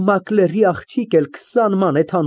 ՌՈԶԱԼԻԱ ֊ Հիմա էլ «մենք»։